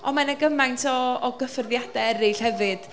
Ond mae 'na gymaint o gyffyrddiadau eraill hefyd.